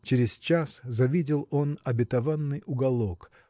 Через час завидел он обетованный уголок